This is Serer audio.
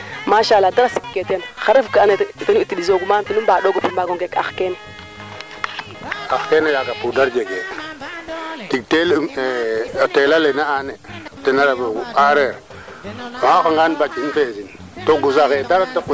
xa'a tamit i leya kaaga mais tamit nuun nu ndeeta ngaan ndiing ne na matiida nune njega probleme ax yaam ko ga'a wa ando naye ga leya ye mi jegiim ax te jegiim nax nam mbaagu mbi mbaago géré it keene moof cunga roogo yaal cunga foof la roog to saqiro ax ka dufoona ne refa probleme na nuun aussi